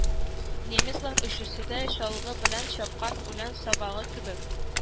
Немецлар өчесе дә, чалгы белән чапкан үлән сабагы кебек,